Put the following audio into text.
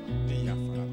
Ne yafar'a ma